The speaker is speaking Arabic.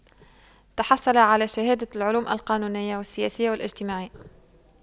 تحصل على شهادة العلوم القانونية والسياسية والاجتماعية